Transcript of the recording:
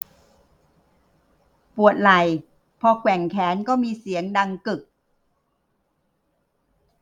ปวดไหล่พอแกว่งแขนก็มีเสียงดังกึก